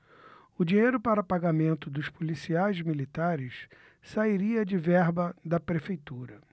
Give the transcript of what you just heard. o dinheiro para pagamento dos policiais militares sairia de verba da prefeitura